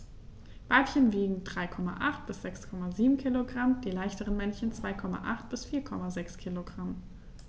Weibchen wiegen 3,8 bis 6,7 kg, die leichteren Männchen 2,8 bis 4,6 kg.